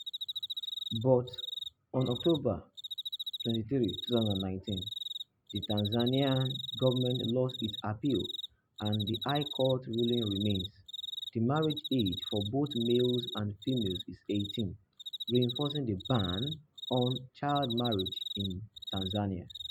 But on October 23, 2019, the Tanzanian government lost its appeal and the high court ruling remains: The marriage age for both males and females is 18, reinforcing the ban on child marriage in Tanzania.